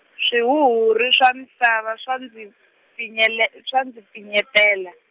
swihuhuri swa misava swa ndzi, pfinyele- , swa ndzi pfinyetela.